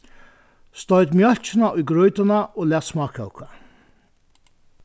stoyt mjólkina í grýtuna og lat smákóka